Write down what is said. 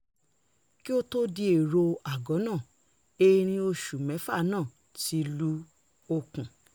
Kí ó tó di èròo àgọ́ náà, erin oṣù mẹ́fà náà ti lu okùn.